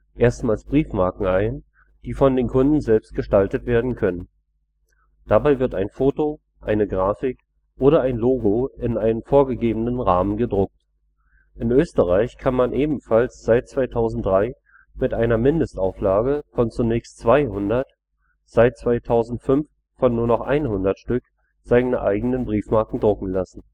erstmals Briefmarken ein, die von den Kunden selbst gestaltet werden können. Dabei wird ein Foto, eine Grafik oder ein Logo in einen vorgegebenen Rahmen gedruckt. In Österreich kann man ebenfalls seit 2003 mit einer Mindestauflage von zunächst 200, seit 2005 von nur noch 100 Stück seine eigenen Briefmarken drucken lassen